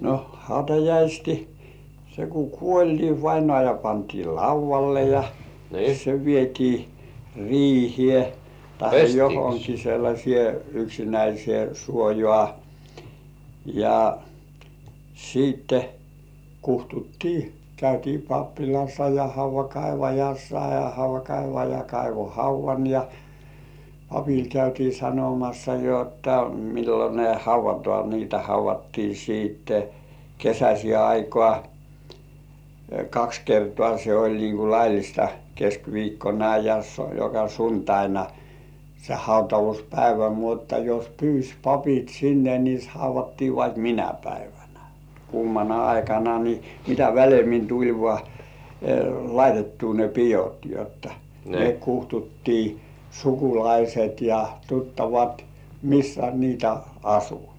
no hautajaiset se kun kuoli niin vainaja pantiin laudalle ja se vietiin riiheen tai johonkin sellaiseen yksinäiseen suojaan ja sitten kutsuttiin käytiin pappilassa ja haudankaivajassa ja haudankaivaja kaivoi haudan ja papille käytiin sanomassa jotta milloin ne haudataan niitä haudattiin sitten kesäiseen aikaan kaksi kertaa se oli niin kuin laillista keskiviikkona ja joka sunnuntaina se hautauspäivä mutta jos pyysi papit sinne niin haudattiin vaikka minä päivänä kuumana aikana niin mitä väleemmin tuli vain laitettua ne pidot jotta ne kutsuttiin sukulaiset ja tuttavat missä niitä asui